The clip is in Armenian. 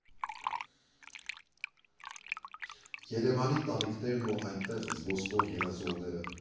Երևանի տանիքներն ու այնտեղ զբոսնող երազողները։